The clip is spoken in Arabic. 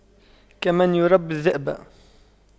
كمن يربي الذئب